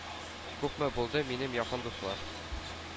Күпме булды минем якын дуслар,